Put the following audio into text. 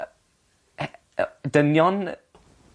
Yy e- yy dynion...